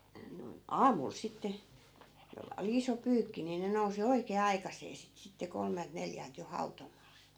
noin aamulla sitten jolla oli iso pyykki niin ne nousi oikein aikaiseen sitten sitten kolmelta neljältä jo hautomaan